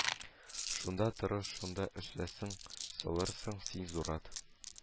Шунда тырыш, шунда эшләсәң, салырсың син зурат